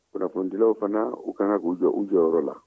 kunnafonidilaw fana u ka kan k'u jɔ u jɔyɔrɔ la